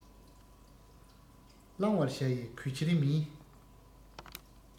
བླང བར བྱ ཡི གུས ཕྱིར མིན